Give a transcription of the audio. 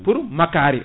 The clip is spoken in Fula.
pour makkari